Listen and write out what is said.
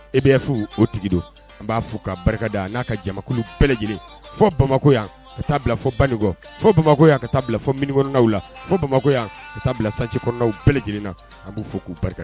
E D F o tigi don .An ba fo ka barika da , a na ka jamakulu bɛɛ lajɛlen fo bamakɔ yan ka taa bila fo banikɔ . Fo bamakɔ yan ka taa bila fo mine kɔnɔnaw la . Fo bamakɔ yan ka taa bila fo chantier kɔnɔnaw bɛɛ lajɛlen na. An bu fo ku barika da.